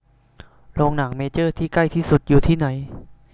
โรงหนังเมเจอร์ที่ใกล้ที่สุดอยู่ที่ไหน